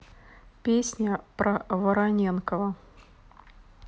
песня про вороненкова